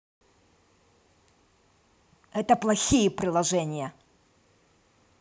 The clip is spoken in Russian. это плохие приложения